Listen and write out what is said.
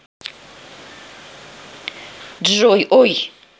джой ой